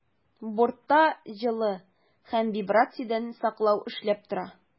Бортта җылы һәм вибрациядән саклау эшләп тора.